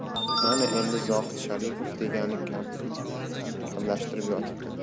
mana endi zohid sharipov degani kavlashtirib yotibdi